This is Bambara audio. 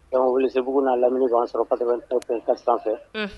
Wuli se bbugu n'a lamini ɲɔgɔn an sɔrɔ pasa ka sanfɛ fɛ